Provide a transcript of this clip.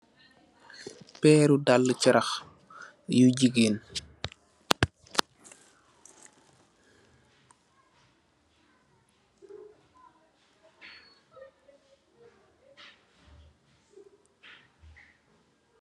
Peeru daalu charakh yu jigeen.